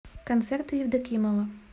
концерты евдокимова